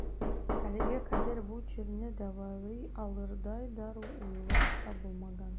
Әлегә кадәр бу чирне дәвалый алырдай дару уйлап табылмаган.